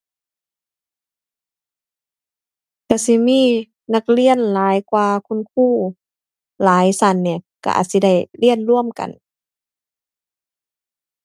ก็สิมีนักเรียนหลายกว่าคุณครู หลายก็นี่ก็อาจสิได้เรียนรวมกัน